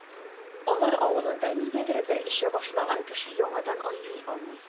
Алар авылында, нигәдер, бер эчә башлаган кеше яңадан айный алмый.